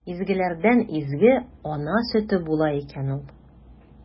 Изгеләрдән изге – ана сөте була икән ул!